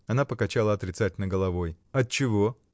Она покачала отрицательно головой. — Отчего?